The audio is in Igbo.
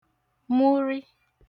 mụrị